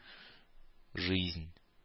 Жизнь